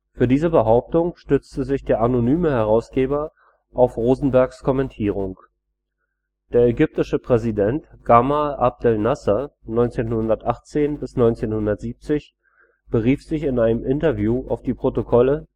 Für diese Behauptung stützte sich der anonyme Herausgeber auf Rosenbergs Kommentierung. Der ägyptische Präsident Gamal Abdel Nasser (1918 – 1970) berief sich in einem Interview auf die Protokolle